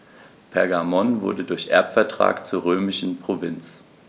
Pergamon wurde durch Erbvertrag zur römischen Provinz.